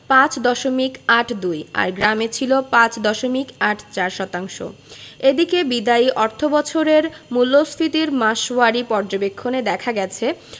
৫ দশমিক ৮২ আর গ্রামে ছিল ৫ দশমিক ৮৪ শতাংশ এদিকে বিদায়ী অর্থবছরের মূল্যস্ফীতির মাসওয়ারি পর্যবেক্ষণে দেখা গেছে